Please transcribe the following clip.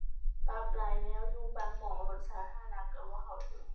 ปรับหลายแนวอยู่ บางหม้องรถสาธารณะก็บ่เข้าก็